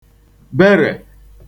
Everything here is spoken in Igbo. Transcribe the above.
berè